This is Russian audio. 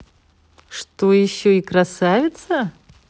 что еще и красавица